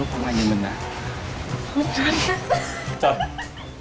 ai nhìn mình à trời